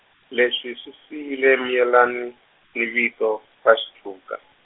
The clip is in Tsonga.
leswi swi siyile Miyelani, ni vito, ra Xidluka.